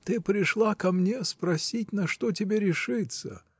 — Ты пришла ко мне спросить, на что тебе решиться.